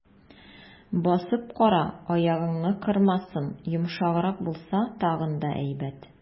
Басып кара, аягыңны кырмасын, йомшаграк булса, тагын да әйбәт.